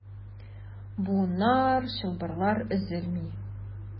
Буыннар, чылбырлар өзелми.